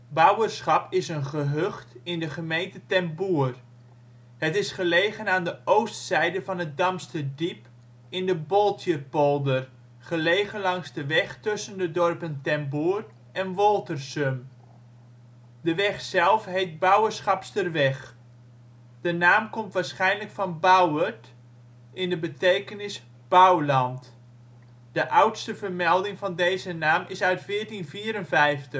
Bouwerschap is een gehucht (streek) in de gemeente Ten Boer. Het is gelegen aan de oostzijde van het Damsterdiep in de Boltjerpolder, gelegen langs de weg tussen de dorpen Ten Boer en Woltersum. De weg zelf heet Bouwerschapsterweg. De naam komt waarschijnlijk van bouwerd, in de betekenis bouwland. De oudste vermelding van deze naam is uit